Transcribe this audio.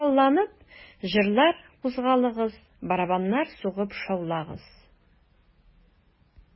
Коралланып, җырлар, кузгалыгыз, Барабаннар сугып шаулагыз...